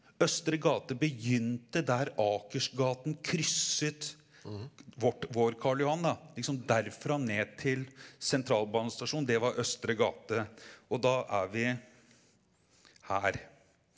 Østre gate begynte der Akersgaten krysset vårt vår Karl Johan da liksom derfra ned til Sentralbanestasjonen det var Østre gate og da er vi her.